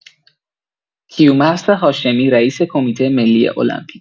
کیومرث هاشمی رئیس کمیته ملی المپیک